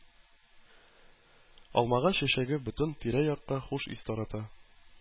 Алмагач чәчәге бөтен тирә-якка хуш ис тарата.